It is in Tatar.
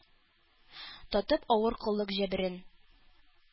Татып авыр коллык җәберен